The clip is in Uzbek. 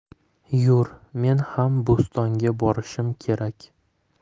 yur men ham bo'stonga borishim kerak